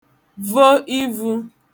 vo ivū